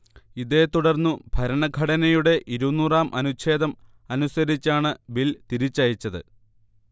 ഇതേ തുടർന്നു ഭരണഘടനയുടെ ഇരുന്നൂറാം അനുഛേദം അനുസരിച്ചാണ് ബിൽ തിരിച്ചയച്ചത്